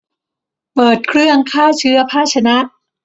เปิดเครื่องฆ่าเชื้อภาชนะ